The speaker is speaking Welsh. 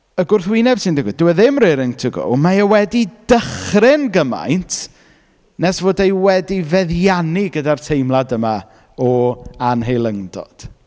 Y gwrthwyneb sy'n digwydd, dyw e ddim rearing to go mae e wedi dychryn gymaint nes fod ei wedi’i feddiannu gyda'r teimlad yma o anheilyngdod.